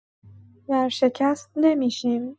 ورشکست نمی‌شیم.